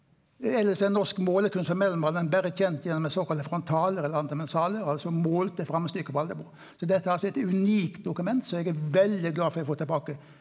elles er norsk målekunst frå mellomalderen berre kjent gjennom ein såkalla frontaler eller antemensaler, altså målte framstykke på alterbord, så dette er altså eit unikt dokument som eg er veldig glad for å få tilbake.